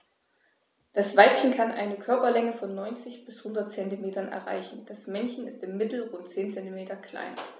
Das Weibchen kann eine Körperlänge von 90-100 cm erreichen; das Männchen ist im Mittel rund 10 cm kleiner.